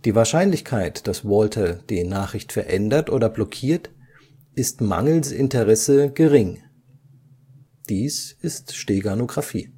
Wahrscheinlichkeit, dass Walter die Nachricht verändert oder blockiert, ist mangels Interesse gering. Dies ist Steganographie